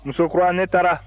musokura ne taara